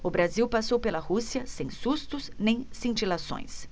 o brasil passou pela rússia sem sustos nem cintilações